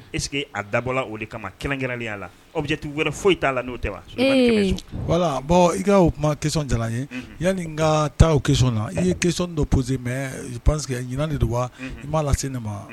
Eseke a dabɔ o de kama kelenkɛ y'a la aw bɛ jate wɛrɛ foyi t'a la n'o tɛ wa wala bɔn i ka o kumasɔn jala ye yanni ka taa oon na i yesɔn dɔ psi mɛ panse ɲin de don wa i m'a lase ne ma